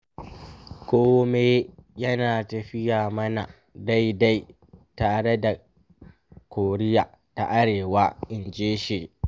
“Kome yana tafiya mana daidai tare da Koriya ta Arewa,” inji shi.